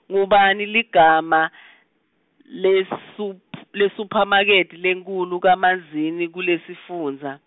ngubani ligama, lesuph- lesuphamakethe lenkhulu kaManzini kulesifundza.